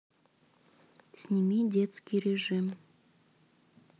сними детский режим